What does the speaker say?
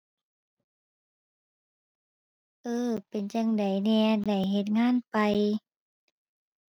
เอ้อ เป็นจั่งใดแหน่ ได้เฮ็ดงานไป่